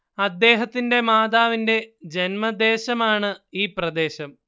അദ്ദേഹത്തിന്റെ മാതാവിന്റെ ജന്മദേശമാണ് ഈ പ്രദേശം